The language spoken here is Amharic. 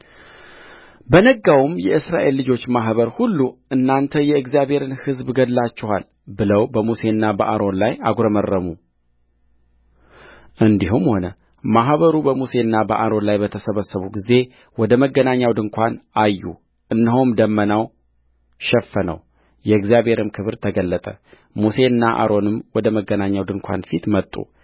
በነጋውም የእስራኤል ልጆች ማኅበር ሁሉ እናንተ የእግዚአብሔርን ሕዝብ ገድላችኋል ብለው በሙሴና በአሮን ላይ አጕረመረሙእንዲህም ሆነ ማኅበሩ በሙሴና በአሮን ላይ በተሰበሰቡ ጊዜ ወደ መገናኛው ድንኳን አዩ እነሆም ደመናው ሸፈነው የእግዚአብሔርም ክብር ተገለጠሙሴና አሮንም ወደ መገናኛው ድንኳን ፊት መጡ